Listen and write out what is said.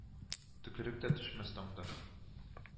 Төкерек тә төшмәс таңда